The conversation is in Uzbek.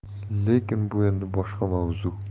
lekin bu endi boshqa mavzu